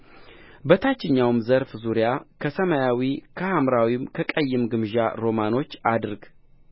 በታችኛውም ዘርፍ ዙሪያ ከሰማያዊ ከሐምራዊም ከቀይም ግምጃ ሮማኖች አድርግ